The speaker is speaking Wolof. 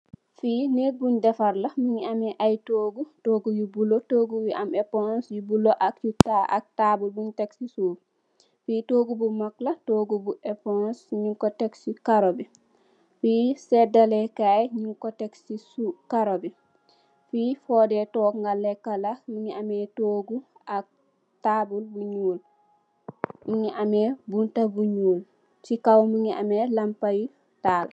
Fii nëëk buñg defar la, mu ngi amee ay toogu, toogu yu bulo am ay am ay epons, yu bulo ak taabul buñg tek si suuf. Fii toogu bu mag la, toogu bu epons ñung ko tek si karo bi. Fii séédalee kaay, ñung ko tek si karo bi, fii foodee toog nga leeka la, mu ngi am toogu, mu ngi amee toogu ak taabul bu ñuul, mu ngi amee buntu bu ñuul, si kow mu ñgi am lampa yuñg taal